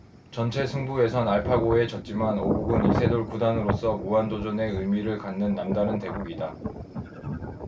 전체 승부에선 알파고에 졌지만 오 국은 이세돌 아홉 단으로서 무한도전의 의미를 갖는 남다른 대국이다